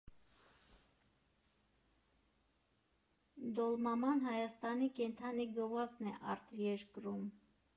«Դոլմաման» Հայաստանի կենդանի գովազդն է արտերկրում։